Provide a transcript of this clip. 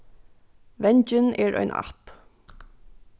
vangin er ein app